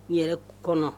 Yɛrɛ kɔnɔ